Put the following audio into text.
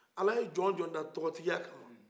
ala ye jɔn wo jɔn dan tɔgɔtigiya kama